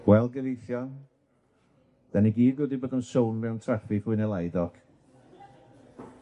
Wel, gyfeillion, 'dyn ni gyd wedi bod yn sownd mewn traffig mwy neu lai, do?